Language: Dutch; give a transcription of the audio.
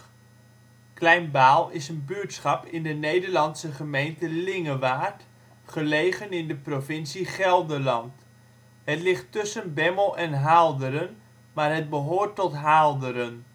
Klein Baal is een buurtschap in de Nederlandse gemeente Lingewaard, gelegen in de provincie Gelderland. Het ligt tussen Bemmel en Haalderen maar het behoort tot Haalderen